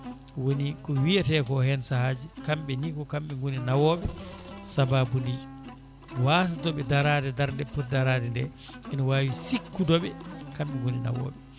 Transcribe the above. woni ko wiiyete ko hen saahaji kamɓe ni ko kamɓe gooni nawoɓe sababude wasdeɓe daarada darde ndeɓe pooti daarada nde ene wawi sikkudeɓe kamɓe gooni nawoɓe